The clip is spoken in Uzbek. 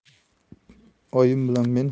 oyim bilan men